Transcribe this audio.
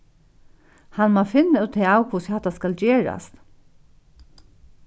hann má finna út av hvussu hatta skal gerast